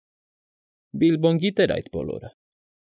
Բիլբոն գիտեր այդ բոլորը։